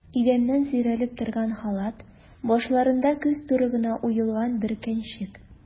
Идәннән сөйрәлеп торган халат, башларында күз туры гына уелган бөркәнчек.